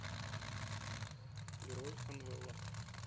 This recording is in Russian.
герой энвелла